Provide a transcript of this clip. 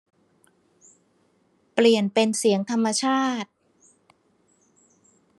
เปลี่ยนเป็นเสียงธรรมชาติ